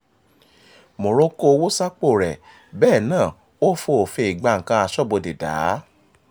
Moro kó owó sápòo rẹ̀ bẹ́ẹ̀ náà ó fo òfin ìgbanǹkan Aṣọ́bodè dá.